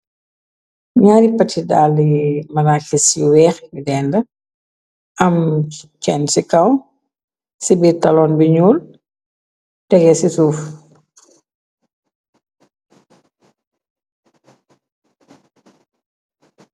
Nyaari pat yi dali marakis yi weex yu dende am kenn ci kaw. Ci bi taloon bi ñuul tegee ci suuf.